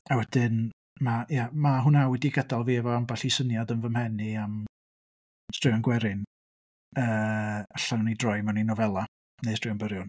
A wedyn ma' ia ma' hwnna wedi gadael fi efo ambell i syniad yn fy mhen i am straeon gwerin yy allwn i droi mewn i nofelau neu straeon byrion.